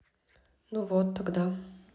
ну вот тогда